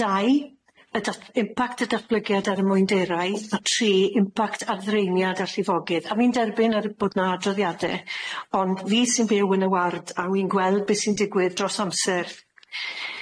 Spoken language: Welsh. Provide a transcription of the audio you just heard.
Dau. Y dat- impact y datblygiad ar y mwynderau a tri impact ar ddraeniad a llifogydd. A fi'n derbyn ar y bod na adroddiade ond fi sy'n byw yn y ward a wi'n gweld be sy'n digwydd dros amser.